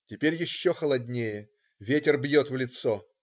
Теперь еще холоднее, ветер бьет в лицо.